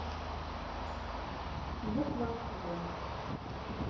буква вэ